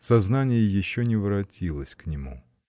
Сознание еще не воротилось к нему.